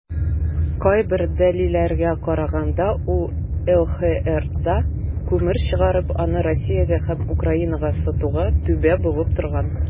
Кайбер дәлилләргә караганда, ул ЛХРда күмер чыгарып, аны Россиягә һәм Украинага сатуга "түбә" булып торган.